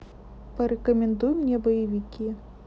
порекомендуй мне боевики